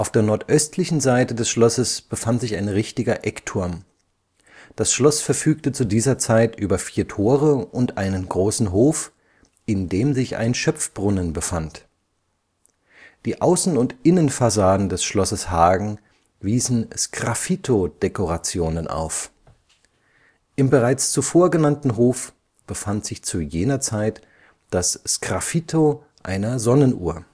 der nordöstlichen Seite des Schlosses befand sich ein richtiger Eckturm. Das Schloss verfügte zu dieser Zeit über vier Tore und einen großen Hof, in dem sich ein Schöpfbrunnen befand. Die Außen - und Innenfassaden des Schlosses Hagen wiesen Sgraffitodekorationen auf. Im bereits zuvor genannten Hof befand sich zu jener Zeit das Sgraffito einer Sonnenuhr